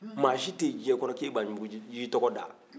maa si tɛ diɲɛ kɔnɔ k'i ye banbugunci tɔgɔ da